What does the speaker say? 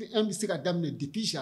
An bɛ se ka daminɛ dipi